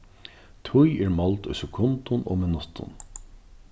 tíð er máld í sekundum og minuttum